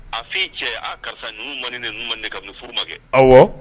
A f'i cɛ a karisa ninnu man nu ma ne ka furu ma kɛ aw